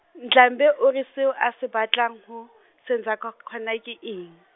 Ndlambe o re seo a se batlang ho, Senzangakhona ke eng.